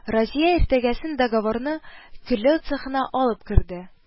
Разия иртәгесен договорны көлләү цехына алып керде